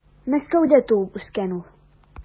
Мәскәүдә туып үскән ул.